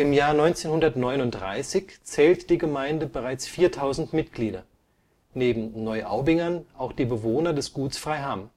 Jahr 1939 zählte die Gemeinde bereits 4.000 Mitglieder, neben Neuaubingern auch die Bewohner des Guts Freiham